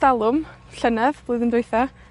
dalwm, llynedd, flwyddyn dwetha,